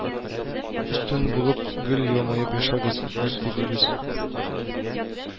Өстен булып, гел елмаеп яшәгез, дип телибез